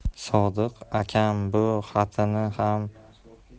sodiq akam bu xatini